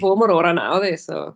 O' hi ddim mor oer â oedd hi, so.